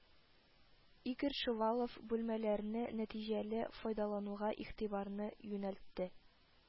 Игорь Шувалов бүлмәләрне нәтиҗәле файдалануга игътибарны юнәлтте